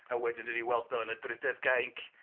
..a wedyn dan ni'n ei weld o yn y drydedd gainc...